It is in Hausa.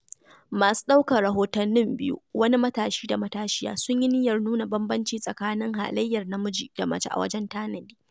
Masu ɗaukar rahotannin biyu, wani matashi da matashiya, sun yi niyyar nuna bambanci tsakanin halayyar namiji da mace a wajen tanadi.